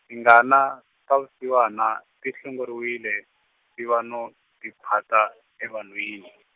tingana, ta vusiwana, ti hlongoriwile, tiva no tiphata, evanhwini.